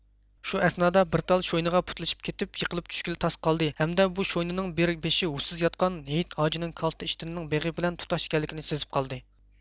شۇ ئەسنادا بىر تال شوينىغا پۇتلىشىپ كېتىپ يېقىلىپ چۈشكىلى تاس قالدى ھەمدە بۇ شوينىنىڭ بىر بېشى ھوشسىز ياتقان ھېيت ھاجىنىڭ كالتە ئىشتىنىنىڭ بېغى بىلەن تۇتاش ئىكەنلىكىنى سېزىپ قالدى